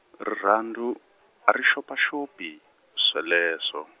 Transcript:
rirhandzu, a ri xopaxopi, sweleswo.